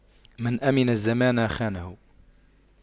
من أَمِنَ الزمان خانه